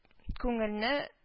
Күңелне